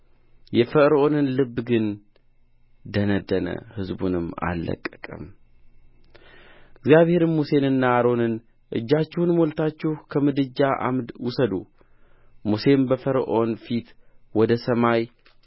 የፈርዖን ልብ ግን ደነደነ ሕዝቡንም አልለቀቀም እግዚአብሔርም ሙሴንና አሮንን እጃችሁን ሞልታችሁ ከምድጃ አመድ ውሰዱ ሙሴም በፈርዖን ፊት ወደ ሰማይ